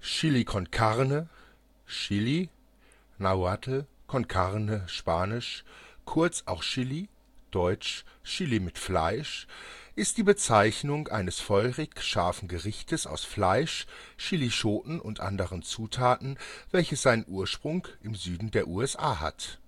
Chili con Carne (Chili Nahuatl, con carne spanisch, kurz auch Chili, deutsch Chili mit Fleisch) ist die Bezeichnung eines feurig scharfen Gerichtes aus Fleisch, Chilischoten und anderen Zutaten, welches seinen Ursprung im Süden der USA hat.